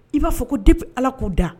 I b'a fɔ ko depuis Ala k'u da